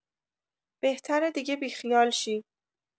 بهتره دیگه بی‌خیال شی.